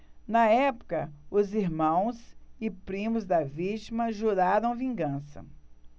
na época os irmãos e primos da vítima juraram vingança